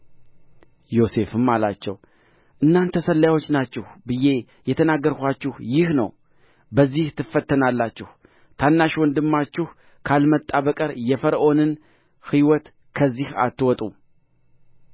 ዮሴፍም አላቸው እናንተ ሰላዮች ናችሁ ብዬ የተናገርኋችሁ ይህ ነው በዚህ ትፈተናላችሁ ታናሽ ወንድማችሁ ካልመጣ በቀር የፈርዖንን ሕይወት ከዚህ አትወጡም